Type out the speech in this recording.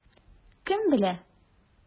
Кем белә?